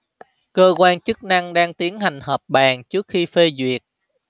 cơ quan chức năng đang tiến hành họp bàn trước khi phê duyệt